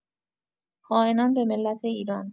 خائنان به ملت ایران